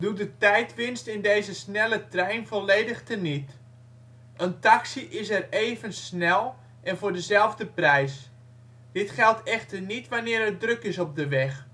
de tijdwinst in deze snelle trein volledig teniet. [bron?] Een taxi is er even snel en voor dezelfde prijs. Dit geldt echter niet wanneer het druk is op de weg